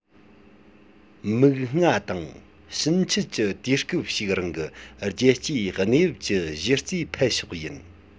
མིག སྔ དང ཕྱིན ཆད གྱི དུས སྐབས ཤིག རིང གི རྒྱལ སྤྱིའི གནས བབ ཀྱི གཞི རྩའི འཕེལ ཕྱོགས ཡིན